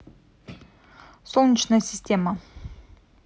солнечная система